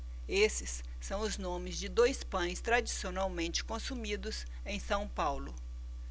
esses são os nomes de dois pães tradicionalmente consumidos em são paulo